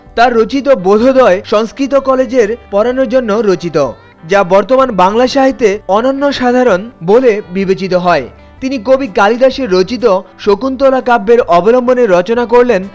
তার রচিত বোধোদয় সংস্কৃত কলেজে পড়ানোর জন্য রচিত যা বর্তমান বাংলা সাহিত্যে অনন্যসাধারণ বলে বিবেচিত হয় তিনি কবি কালিদাসের রচিত শকুন্তলা কাব্যের অবলম্বনে রচনা করলেন